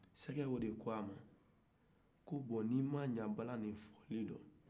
sɛgɛ in de ko a ma ko n'i ma ɲɛ bala ni fɔli man